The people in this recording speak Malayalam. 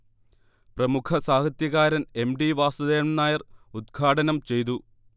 പ്രമുഖസാഹിത്യകാരൻ എം. ടി. വാസുദേവൻ നായർ ഉദ്ഘാടനം ചെയ്തു